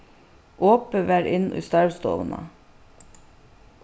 opið var inn í starvsstovuna